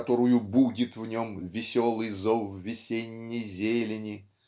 которую будит в нем "веселый зов весенней зелени"